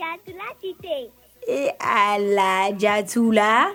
Ja ee a la ja la